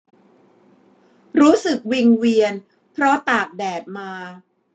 รู้สึกวิงเวียนเพราะตากแดดมา